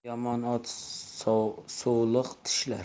yomon ot suvliq tishlar